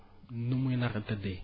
nu muy nar a tëddee